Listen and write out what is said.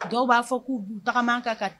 Dɔw b'a fɔ k'u kan